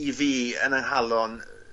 i fi yn y' nghalon yy